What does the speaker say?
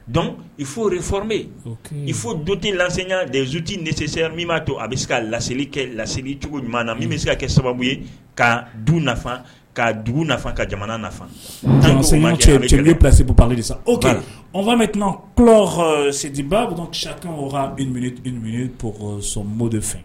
Don i fore f bɛ i fo don tɛ lanya de zzoji dese min b'a to a bɛ se ka laseli kɛ laseli cogo ɲuman na min bɛ se ka kɛ sababu ye ka du nafa ka dugu ka jamana nafa cɛsi bali sa obasɔnbon de fɛ